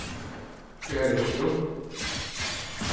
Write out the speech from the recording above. hvar ert tú